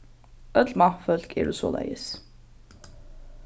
øll mannfólk eru soleiðis